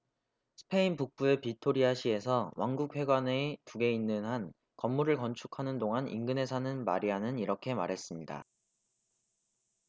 스페인 북부의 비토리아 시에서 왕국회관이 두 개 있는 한 건물을 건축하는 동안 인근에 사는 마리안은 이렇게 말했습니다